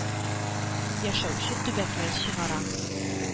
Яшәүче төбәкләр чыгара.